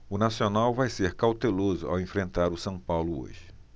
o nacional vai ser cauteloso ao enfrentar o são paulo hoje